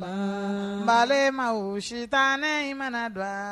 N balimaw sitani ma na don an